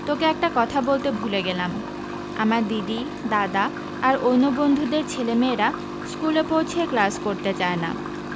তোকে একটা কথা বলতে ভুলে গেলাম আমার দিদি দাদা আর অন্য বন্ধুদের ছেলেমেয়েরা স্কুলে পৌছে ক্লাস করতে চায় না